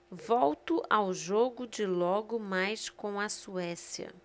volto ao jogo de logo mais com a suécia